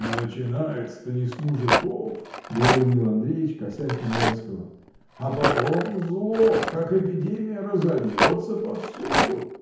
— Начинается-то не с мужиков, — говорил Нил Андреич, косясь на Райского, — а потом зло, как эпидемия, разольется повсюду.